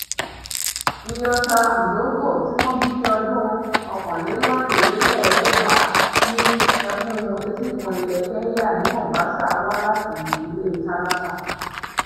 Nyota Ndogo tí wọ́n bí ní ọdún 1981 ní ẹkùn Etíkun ilẹ̀ Kenya ní Mombasa, wá láti ìdílé tálákà.